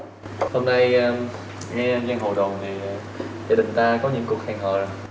hôm nay a nghe giang hồ đồn thì gia đình ta có những cuộc hẹn hò rồi